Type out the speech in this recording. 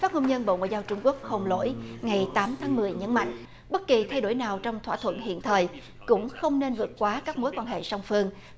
phát ngôn nhân bộ ngoại giao trung quốc hồng lỗi ngày tám tháng mười nhấn mạnh bất kỳ thay đổi nào trong thỏa thuận hiện thời cũng không nên vượt quá các mối quan hệ song phương